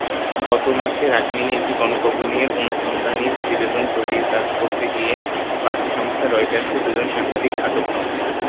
গত মাসে রাখাইনে একটি গণকবর নিয়ে অনুসন্ধানী প্রতিবেদন তৈরির কাজ করতে গিয়ে বার্তা সংস্থা রয়টার্সের দুজন সাংবাদিক আটক হন